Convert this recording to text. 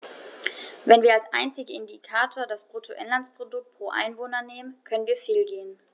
Wenn wir als einzigen Indikator das Bruttoinlandsprodukt pro Einwohner nehmen, können wir fehlgehen.